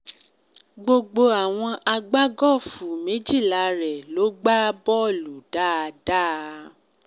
Gbogbo àwọn agbágọ́ọ̀fù 12 rẹ̀ lò gbá bọ́ọ̀lù dáadáa.